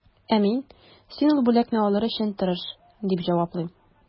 Ә мин, син ул бүләкне алыр өчен тырыш, дип җаваплыйм.